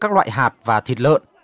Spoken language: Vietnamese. loại hạt và thịt lợn